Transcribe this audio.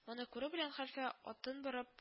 Моны күрү белән хәлфә атын борып